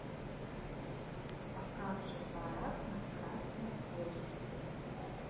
а как же парад на красной площади